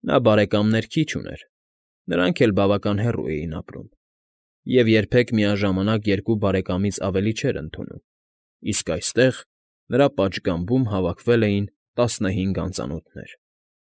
Նա բարեկամներ քիչ ուներ, նրանք էլ բավական հեռու էին ապրում, և երբեք միաժամանակ երկու բարեկամից ավելի չէր ընդունում, իսկ այստեղ, նրա պատշգամբում հավաքվել էին տասնհինգ անծանոթներ։